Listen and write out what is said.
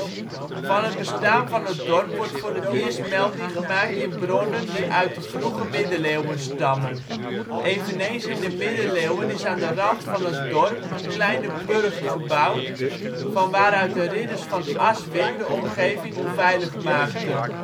Van het bestaan van het dorp wordt voor het eerst melding gemaakt in bronnen die uit de vroege Middeleeuwen stammen. Eveneens in de Middeleeuwen is aan de rand van het dorp een kleine burcht gebouwd van waaruit de Ridders van Aswin de omgeving onveilig maakten